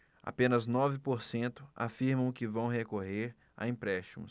apenas nove por cento afirmam que vão recorrer a empréstimos